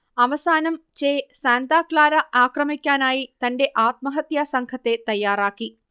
അവസാനം Che Santa Clara ആക്രമിക്കാനായി തന്റെ ആത്മഹത്യാ സംഘത്തെ തയ്യാറാക്കി